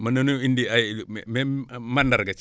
mën nanoo indi ay me même mandarga